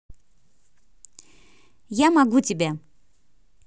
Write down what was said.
я могу тебя